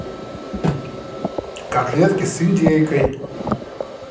котлетки с индейкой